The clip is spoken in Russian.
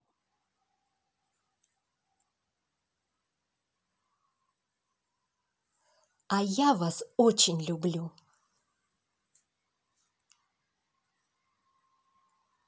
а я вас очень люблю